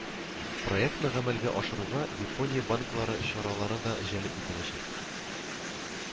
Проектны гамәлгә ашыруга Япония банклары чаралары да җәлеп ителәчәк